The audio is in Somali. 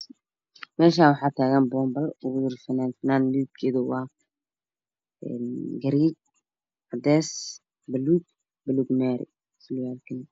.eshan waxaa tagan babalo medebkeedu waa balug mari garay cadees